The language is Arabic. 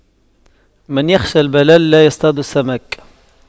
من يخشى البلل لا يصطاد السمك